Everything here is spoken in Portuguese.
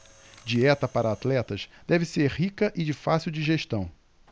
dieta para atletas deve ser rica e de fácil digestão